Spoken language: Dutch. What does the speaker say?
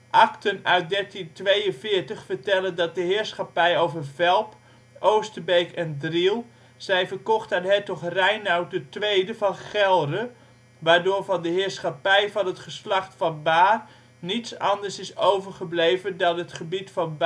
Akten uit 1342 vertellen dat de heerschappij over Velp, Oosterbeek en Driel zijn verkocht aan hertog Reinoud II van Gelre, waardoor van de heerschappij van het geslacht Van Baar niets anders is overgebleven dan het gebied van